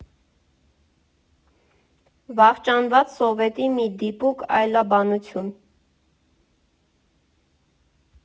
Վախճանված Սովետի մի դիպուկ այլաբանություն։